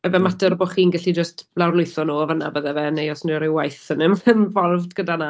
So, ife mater o bod bod chi'n gallu jyst lawrlwytho nhw, fan'na byddai fe, neu oes 'na ryw waith yn involved gyda 'na?